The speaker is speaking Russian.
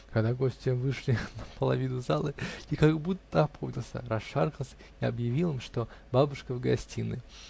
Когда гости вышли на половину залы, я как будто опомнился, расшаркался и объявил им, что бабушка в гостиной.